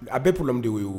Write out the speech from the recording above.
A bɛɛ problème de y'o ye o